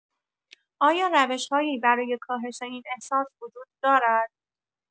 آیا روش‌هایی برای کاهش این احساس وجود دارد؟